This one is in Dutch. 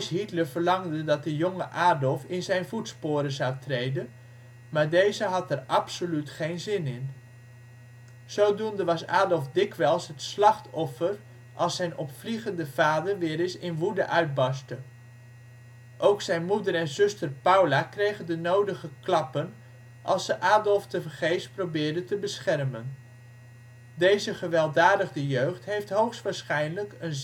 Hitler verlangde dat de jonge Adolf in zijn voetsporen zou treden maar deze had daar absoluut geen zin in. Zodoende was Adolf dikwijls het slachtoffer als zijn opvliegende vader weer eens in woede uitbarstte. Ook zijn moeder en zuster Paula kregen de nodige klappen als ze Adolf tevergeefs probeerden te beschermen. Deze gewelddadige jeugd heeft hoogstwaarschijnlijk een zeer